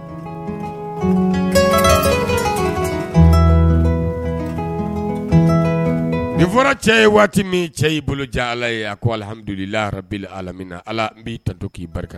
Nin fɔra cɛ ye waati min cɛ y'i bolo ala ye a komidu ala b'i ta to k